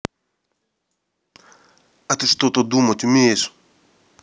а ты что то думать умеешь